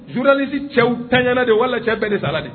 Zuulalaalisi cɛw tanyana de walacɛ bɛɛ de sala de